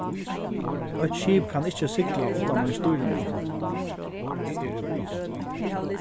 eitt skip kann ikki sigla uttan ein stýrimann